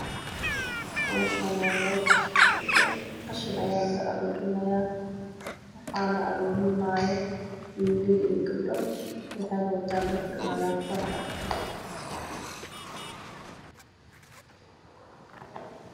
Meeshaani waa meel qashin qub eh qashin ayaa laga aruurinaya waxanah aruurinaaya wiilal iyo gabdho waxey wataan dharka nadaafada